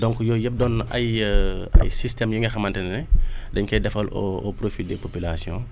donc yooyu yëpp doon na ay ay systèmes yi nga xamante ne ne dañ koy defal au au profil des populations